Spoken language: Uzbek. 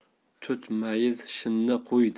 tut mayiz shinni qo'ydi